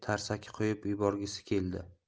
tarsaki qo'yib yuborgis keldi